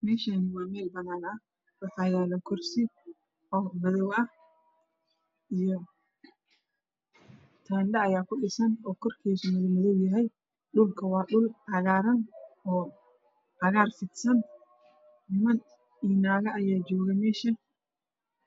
Meeshaanwaa meel banaan ah waxaa yaalo kursi oo madow ah iyo teendho ayaa kudhisan oo korkeeda madow yahay dhulkuna waa cagaar fidsan naagana way joogaan.